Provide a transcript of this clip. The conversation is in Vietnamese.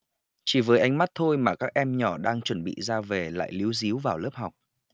chỉ với ánh mắt thôi mà các em nhỏ đang chuẩn bị ra về lại líu ríu vào lớp học